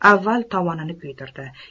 avval tovonini kuydirdi